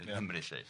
yng Nghymru lly.